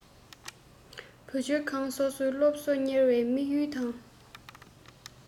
བུ བཅོལ ཁང སོ སོས སློབ གསོ གཉེར བའི དམིགས ཡུལ དང